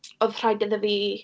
oedd rhaid idda fi